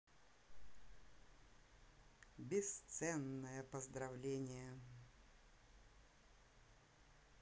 бесценное поздравление